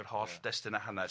yr holl destun a hanes.